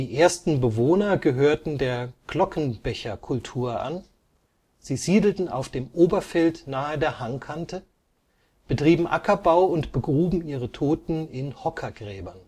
ersten Bewohner gehörten der Glockenbecherkultur an, sie siedelten auf dem Oberfeld nahe der Hangkante, betrieben Ackerbau und begruben ihre Toten in Hockergräbern